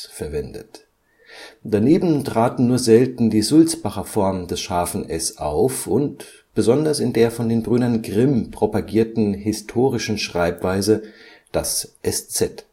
verwendet. Daneben traten nur selten die Sulzbacher Form des ß auf und – besonders in der von den Brüdern Grimm propagierten historischen Schreibweise – das sz.